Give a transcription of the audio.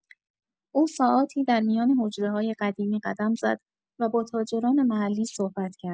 او ساعاتی در میان حجره‌های قدیمی قدم زد و با تاجران محلی صحبت کرد.